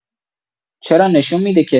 چرا نشون می‌ده که